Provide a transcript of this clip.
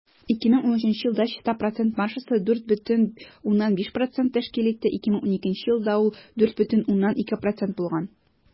2013 елда чиста процент маржасы 4,5 % тәшкил итте, 2012 елда ул 4,2 % булган.